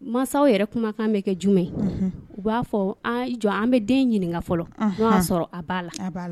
Mansaw yɛrɛ kumakan bɛ kɛ jumɛn ye u b'a fɔ a i jɔ an bɛ den ɲininka fɔlɔ n'o y'a sɔrɔ a b'a la